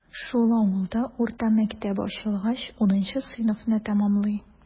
Шул авылда урта мәктәп ачылгач, унынчы сыйныфны тәмамлый.